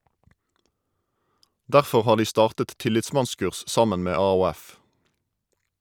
Derfor har de startet tillitsmannskurs sammen med AOF.